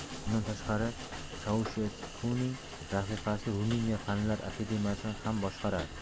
bundan tashqari chausheskuning rafiqasi ruminiya fanlar akademiyasini ham boshqarardi